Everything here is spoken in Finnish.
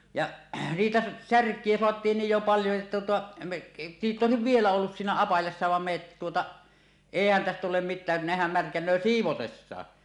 ja siitä särkiä saatiin niin jo paljon että tuota me niitä olisi vielä ollut siinä apajassa vaan me että tuota eihän tästä tule mitään nehän märkänee siivotessakin